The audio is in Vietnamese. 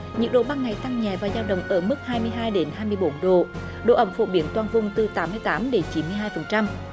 nhiệt độ ban ngày tăng nhẹ và dao động ở mức hai mươi hai đến hai mươi bốn độ độ ẩm phổ biến toàn vùng từ tám mươi tám đến chín mươi hai phần trăm